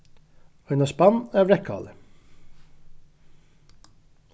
eina spann av reyðkáli